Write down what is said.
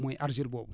mooy argile boobu